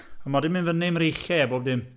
Ond mae o 'di mynd fyny'n mreichiau i a bob dim.